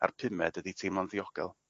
a'r pumed ydi teimlo'n ddiogel.